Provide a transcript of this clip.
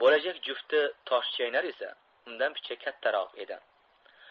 bo'lajak jufti toshchaynar esa undan picha kattaroq edi